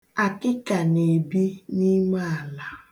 Akịka na-ebi n'ime ala.